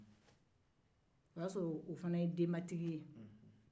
a y'a sɔrɔ o fana ye denbatigi ye